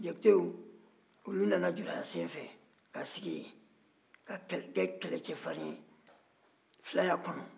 jakitew olu nana juraya senfɛ ka sigi yen ka kɛ kɛlɛ cɛfarin ye filaya kɔnɔ